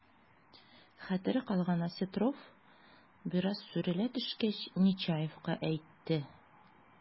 Хәтере калган Осетров, бераз сүрелә төшкәч, Нечаевка әйтте: